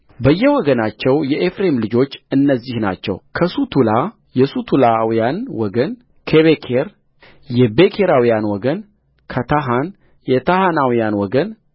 በየወገናቸው የኤፍሬም ልጆች እነዚህ ናቸው ከሱቱላ የሱቱላውያን ወገን ከቤኬር የቤኬራውያን ወገን ከታሐን የታሐናውያን ወገን